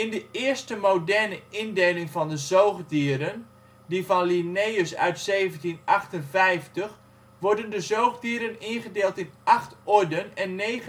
de eerste moderne indeling van de zoogdieren, die van Linnaeus uit 1758, worden de zoogdieren ingedeeld in acht orden en 39